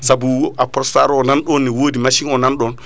saabu Aprostar o nan ɗon ne wodi machine o nan ɗon